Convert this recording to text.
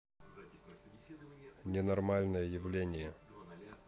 ненормальное явление